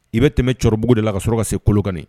I bɛ tɛmɛ cɛkɔrɔbabugu de la ka sɔrɔ ka se kolokani